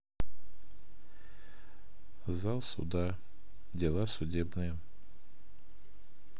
зал суда дела судебные